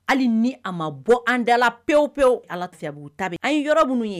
Hali ni a ma bɔ an dala pewu pewu ala lafiya'u ta an ye yɔrɔ minnu ye